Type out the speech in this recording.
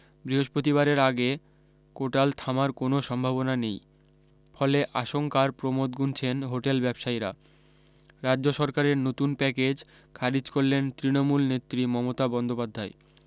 বৃহস্পতিবারের আগে কোটাল থামার কোনও সম্ভাবনা নেই ফলে আশঙ্কার প্রমোদ গুনছেন হোটেল ব্যবসায়ীরা রাজ্য সরকারের নতুন প্যাকেজ খারিজ করলেন তৃণমূল নেত্রী মমতা বন্দ্যোপাধ্যায়